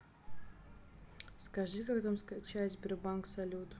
скажи как там скачать сбербанк салют